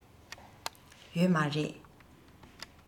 ཡོད མ རེད